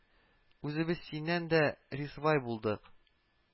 Үзебез синнән дә рисвай булдык